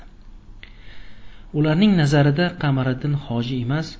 ularning nazarida qamariddin xoja emas